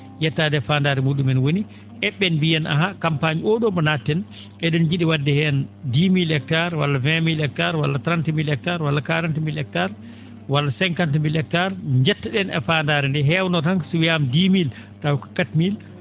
yettaade e faandaare mu?umen woni e??en mbiyen ahan campagne oo ?oo mbo nat?en e?en nji?i wa?de heen dix mille hectare walla vingt mille hectares walla trente mille hectares walla quarante mille hectares walla cinquante mille hectares njetto?en e faandaare nde nde heewno ran so wiyaama dix mille taw ko quatre mille